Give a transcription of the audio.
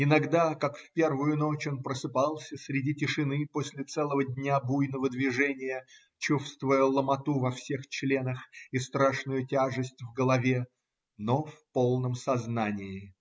Иногда, как в первую ночь, он просыпался среди тишины после целого дня буйного движения, чувствуя ломоту во всех членах и страшную тяжесть в голове, но в полном сознании.